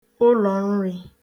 ụlọ̀nrī